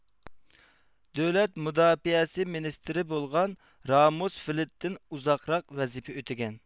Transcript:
دۆلەت مۇداپىئەسى مىنىستىرى بولغان راموسفېلېددىن ئۇزاقراق ۋەزىپە ئۆتىگەن